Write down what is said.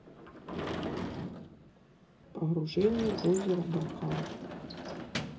погружение в озеро байкал